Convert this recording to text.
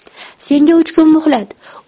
senga uch kun muhlat